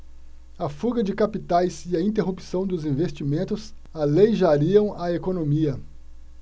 a fuga de capitais e a interrupção dos investimentos aleijariam a economia